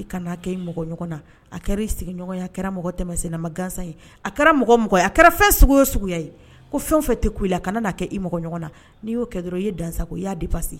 Kana kɛ mɔgɔ a kɛra sigi kɛra mɔgɔ sen ma gansan ye a kɛra mɔgɔ a kɛra fɛn ye ko fɛn tɛ i la kana kɛ i mɔgɔ na n'i y'o kɛ dɔrɔn i ye dansago y'a di sigi